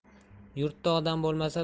yurtda odam bo'lmasa